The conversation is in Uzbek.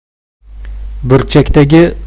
burchakdagi uy qarshisida